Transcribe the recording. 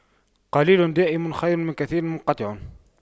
قليل دائم خير من كثير منقطع